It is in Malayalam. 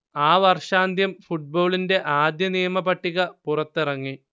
ആ വർഷാന്ത്യം ഫുട്ബോളിന്റെ ആദ്യത്തെ നിയമ പട്ടിക പുറത്തിറങ്ങി